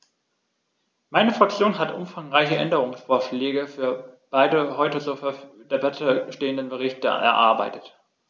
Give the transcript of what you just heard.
Meine Fraktion hat umfangreiche Änderungsvorschläge für beide heute zur Debatte stehenden Berichte erarbeitet.